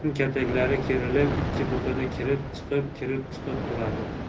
burun kataklari kerilib ikki biqini kirib chiqib kirib chiqib turadi